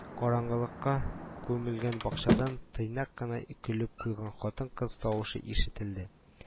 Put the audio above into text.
—караңгылыкка күмелгән бакчадан тыйнак кына көлеп куйган хатын-кыз тавышы ишетелде